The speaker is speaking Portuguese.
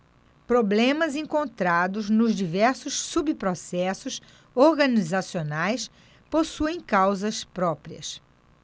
problemas encontrados nos diversos subprocessos organizacionais possuem causas próprias